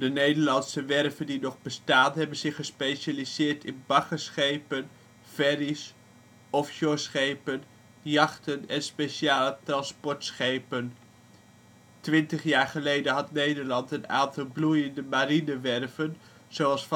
Nederlandse werven die nog bestaan hebben zich gespecialiseerd in baggerschepen, ferries, offshoreschepen, yachten en speciale transportschepen. Twintig jaar geleden had Nederland een aantal bloeiende marinewerven, zoals